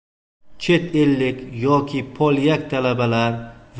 chet ellik yoki polyak talabalar va